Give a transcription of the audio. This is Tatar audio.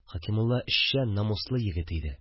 Хәкимулла эшчән, намуслы егет иде